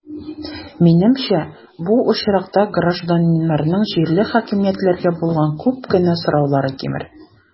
Минемчә, бу очракта гражданнарның җирле хакимиятләргә булган күп кенә сораулары кимер.